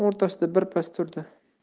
o'rtasida birpas turdi